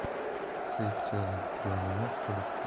qiyiqchani joynamoz qilib